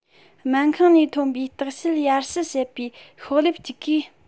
སྨན ཁང ནས ཐོན པའི བརྟག དཔྱད ཡར ཞུ བྱེད པའི ཤོག ལེབ ཅིག གིས